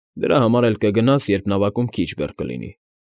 Դրա համար էլ կգնաս, երբ նավակում քիչ բեռ կլինի։